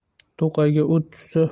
to'qayga o't tushsa